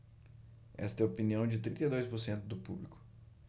esta é a opinião de trinta e dois por cento do público